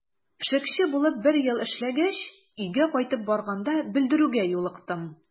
Пешекче булып бер ел эшләгәч, өйгә кайтып барганда белдерүгә юлыктым.